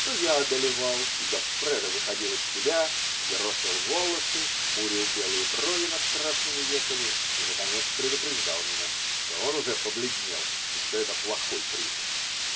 то я одолевал, и Гоффредо выходил из себя, ерошил волосы, хмурил белые брови над красными веками и, наконец, предупреждал меня, что он уже побледнел и что это плохой признак.